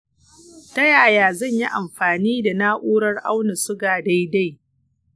ta yaya zan yi amfani da na'urar auna-suga dai-dai?